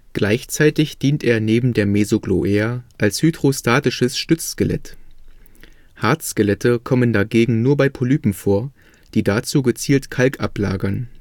Gleichzeitig dient er neben der Mesogloea als hydrostatisches Stützskelett. Hartskelette kommen dagegen nur bei Polypen vor, die dazu gezielt Kalk ablagern